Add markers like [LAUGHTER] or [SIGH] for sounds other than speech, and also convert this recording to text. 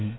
[HESITATION] [HESITATION]